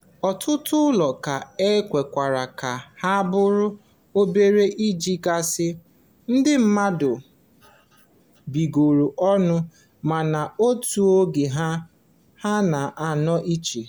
Ọtụtụ ụlọ ka e kewara ka ha bụrụ obere nkeji gasị. Ndị mmadụ bikọrọ ọnụ, mana n'otu oge ahụ, ha nọ nnọọ iche.